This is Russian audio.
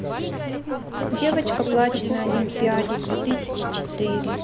девочка плачет на лимпиаде две тысячи четыре